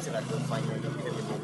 N sera dɔn fa ye